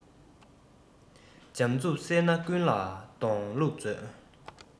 འཇམ རྩུབ བསྲེས ན ཀུན ལ འདོང ལུགས མཛོད